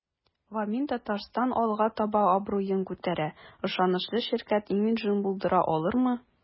"вамин-татарстан” алга таба абруен күтәрә, ышанычлы ширкәт имиджын булдыра алырмы?